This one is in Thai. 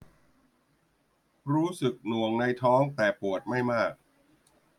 รู้สึกหน่วงในท้องแต่ปวดไม่มาก